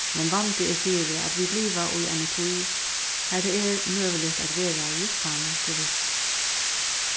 men vandi er fyri at vit liva í eini tíð har tað er møguligt at vera júst tann tú vilt